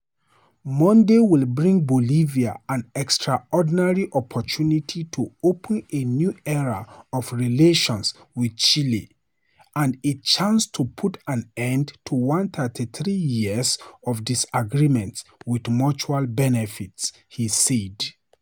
Monday will bring Bolivia "an extraordinary opportunity to open a new era of relations with Chile" and a chance to "put an end to 139 years of disagreements with mutual benefits," he said.